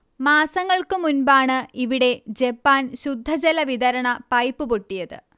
മാസങ്ങൾക്കു മുൻപാണ് ഇവിടെ ജപ്പാൻ ശുദ്ധജല വിതരണ പൈപ്പ് പൊട്ടിയത്